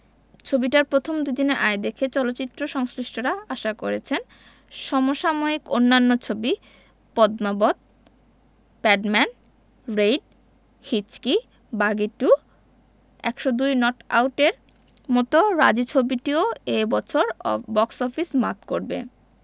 ছবিটার প্রথম দুইদিনের আয় দেখে চলচ্চিত্র সংশ্লিষ্টরা আশা করছেন সম সাময়িক অন্যান্য ছবি পদ্মাবত প্যাডম্যান রেইড হিচকি বাঘী টু ১০২ নট আউটের মতো রাজী ছবিটিও এ বছর অফ বক্স অফিস মাত করবে